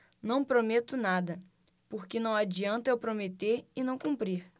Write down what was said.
não prometo nada porque não adianta eu prometer e não cumprir